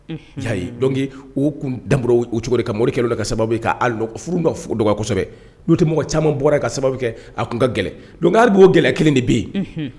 Ki kun da cogo ka mori kɛlɛ ka sababu' furu dɔgɔsɛbɛ'uo tɛ caman bɔra ka sababu kɛ a ka gɛlɛ oo gɛlɛ kelen de bɛ yen